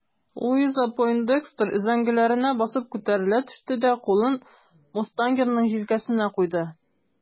Луиза Пойндекстер өзәңгеләренә басып күтәрелә төште дә кулын мустангерның җилкәсенә куйды.